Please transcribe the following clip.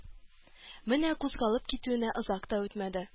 Менә кузгалып китүенә озак та үтмәде